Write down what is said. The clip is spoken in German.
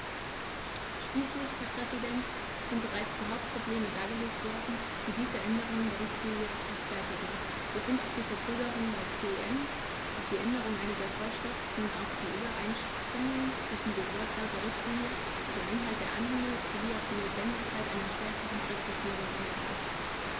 Schließlich, Herr Präsident, sind bereits die Hauptprobleme dargelegt worden, die diese Änderung der Richtlinie rechtfertigen, wir sind auf die Verzögerung beim CEN, auf die Änderung einiger Vorschriften, auf die Übereinstimmung zwischen dem Wortlaut der Richtlinie und dem Inhalt der Anhänge sowie auf die Notwendigkeit einer stärkeren Präzisierung eingegangen.